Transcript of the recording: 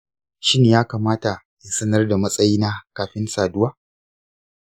shin ya kamata in sanar da matsayina kafin saduwa?